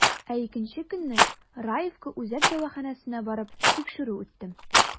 Ә икенче көнне, Раевка үзәк дәваханәсенә барып, тикшерү үттем.